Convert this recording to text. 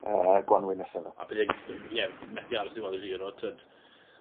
Yy y Gwanwyn nesa 'ma. A bydd e'n my- ie f- methu aros i weld y Giro t'wod